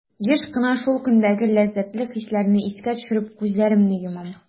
Еш кына шул көндәге ләззәтле хисләрне искә төшереп, күзләремне йомам.